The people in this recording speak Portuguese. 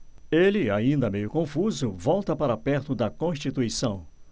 ele ainda meio confuso volta para perto de constituição